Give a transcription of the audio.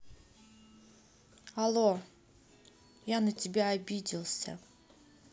алло я на тебя обиделся